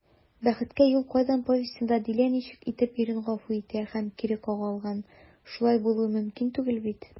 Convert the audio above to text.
«бәхеткә юл кайдан» повестенда дилә ничек итеп ирен гафу итә һәм кире кага алган, шулай булуы мөмкин түгел бит?»